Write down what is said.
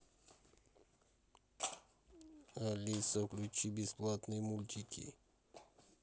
алиса включи бесплатные мультики